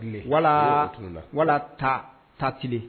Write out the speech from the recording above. Wala wala ta ta kelen